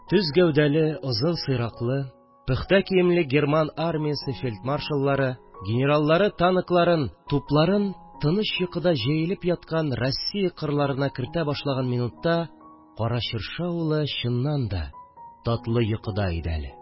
Төз гәүдәле, озын сыйраклы, пөхтә киемле герман армиясе фельдмаршаллары, генераллары танкларын, тупларын тыныч йокыда җәелеп яткан Россия кырларына кертә башлаган минутта Кара Чыршы авылы, чыннан да, татлы йокыда иде әле